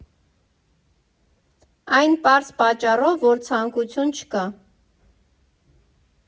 Այն պարզ պատճառով, որ ցանկություն չկա։